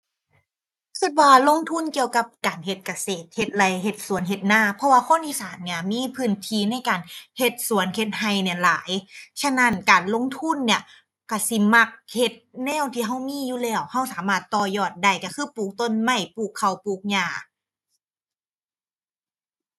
คิดว่าลงทุนเกี่ยวกับการเฮ็ดเกษตร เฮ็ดไร่ เฮ็ดสวน เฮ็ดนา เพราะว่าคนอีสานเนี่ย มีพื้นที่ในการเฮ็ดสวนเฮ็ดคิดเนี่ยหลาย ฉะนั้น การลงทุนเนี่ยคิดสิมักเฮ็ดแนวที่คิดมีอยู่แล้ว คิดสามารถต่อยอดได้ คิดคือปลูกต้นไม้ ปลูกข้าว ปลูกหญ้า